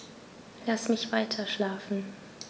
Lass mich weiterschlafen.